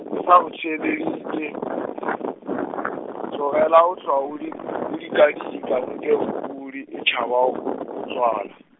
ke sa go theeleditše, tlogela go hlwa o di, o dikadika nke o pudi e tšhaba go tswala.